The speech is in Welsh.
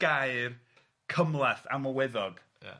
gair cymhleth, amlweddog... Ia.